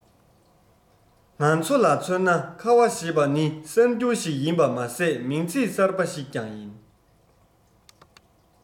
ང ཚོ ལ མཚོན ན ཁ བ ཞེས པ ནི གསར འགྱུར ཞིག ཡིན པ མ ཟད མིང ཚིག གསར པ ཞིག ཀྱང ཡིན